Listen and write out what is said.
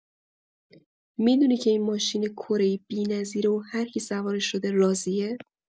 می‌دونی که این ماشین کره‌ای بی‌نظیره و هرکی سوارش شده راضیه!